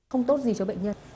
không tốt gì cho bệnh nhân